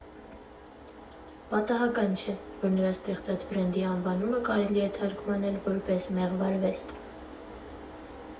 Պատահական չէ, որ նրա ստեղծած բրենդի անվանումը կարելի է թարգմանել որպես «Մեղվարվեստ»։